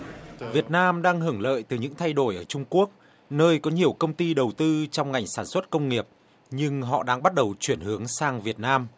việt nam đang hưởng lợi từ những thay đổi ở trung quốc nơi có nhiều công ty đầu tư trong ngành sản xuất công nghiệp nhưng họ đang bắt đầu chuyển hướng sang việt nam